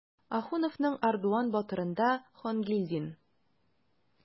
Ахуновның "Ардуан батыр"ында Хангилдин.